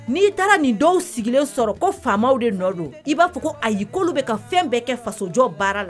N'i taara nin dɔw sigilen sɔrɔ ko faamaw de nɔ don i b'a fɔ ko a y'ikolo bɛ ka fɛn bɛɛ kɛ fasojɔ baara la